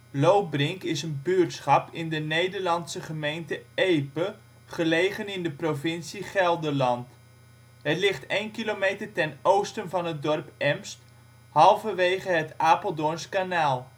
Loobrink is een buurtschap in de Nederlandse gemeente Epe, gelegen in de provincie Gelderland. Het ligt 1 kilometer ten oosten van het dorp Emst, harverwege hat Apeldoorns Kanaal